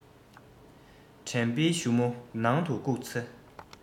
དྲན པའི གཞུ མོ ནང དུ བཀུག ཚེ